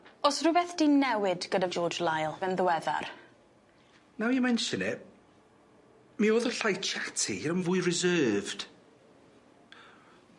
O's rwbeth 'di newid gyda George Lyle yn ddiweddar? Now you mention it. Mi o'dd o llai chatty yn fwy reserved.